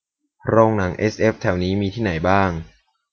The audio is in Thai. โรงหนังเอสเอฟแถวนี้มีที่ไหนบ้าง